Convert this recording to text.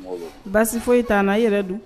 Baasi foyi e' n' a yɛrɛ don